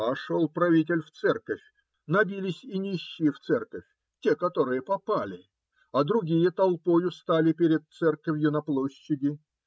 Пошел правитель в церковь, набились и нищие в церковь, те, которые попали, а другие толпою стали перед церковью на площади.